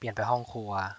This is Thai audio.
เปลี่ยนไปห้องครัว